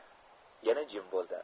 yana jim bo'ldi